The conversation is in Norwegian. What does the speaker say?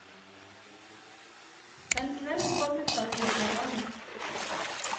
En kveld på metaloperaen.